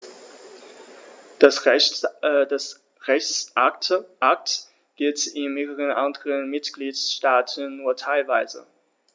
Der Rechtsakt gilt in mehreren anderen Mitgliedstaaten nur teilweise.